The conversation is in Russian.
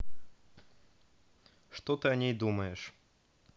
что ты о ней думаешь